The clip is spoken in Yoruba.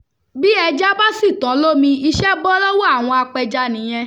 Bí ẹjá bá sì tán lómi, iṣẹ́ bọ́ lọ́wọ́ àwọn apẹja nìyẹn.